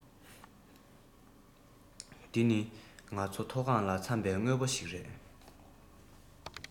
འདི ནི ང ཚོ འཐོ སྒང ལ འཚམས པས དངོས པོ ཞིག རེད